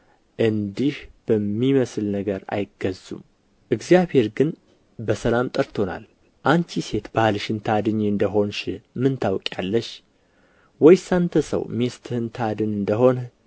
እንዲህ በሚመስል ነገር አይገዙም እግዚአብሔር ግን በሰላም ጠርቶናል አንቺ ሴት ባልሽን ታድኚ እንደ ሆንሽ ምን ታውቂአለሽ ወይስ አንተ ሰው ሚስትህን ታድን እንደ ሆንህ